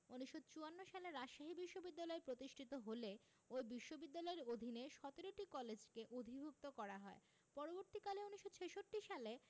১৯৫৪ সালে রাজশাহী বিশ্ববিদ্যালয় প্রতিষ্ঠিত হলে ওই বিশ্ববিদ্যালয়ের অধীনে ১৭টি কলেজকে অধিভুক্ত করা হয় পরবর্তীকালে ১৯৬৬ সালে